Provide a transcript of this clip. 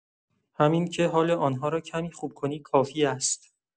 همین که حال آن‌ها را کمی خوب کنی کافی است.